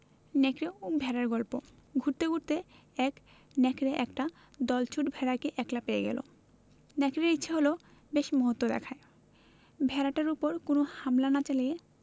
নেকড়ে ও ভেড়ার গল্প ঘুরতে ঘুরতে এক নেকড়ে একটা দলছুট ভেড়াকে একলা পেয়ে গেল নেকড়ের ইচ্ছে হল বেশ মহত্ব দেখায় ভেড়াটার উপর কোন হামলা না চালিয়ে